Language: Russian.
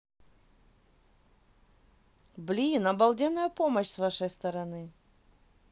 блин обалденная помощь с вашей стороны